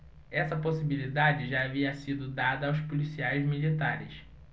essa possibilidade já havia sido dada aos policiais militares